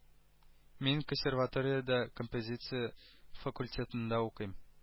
Мин косерваториядә композиция факультетында укыйм